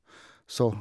Så...